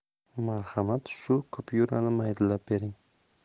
marhamat shu kupyurani maydalab bering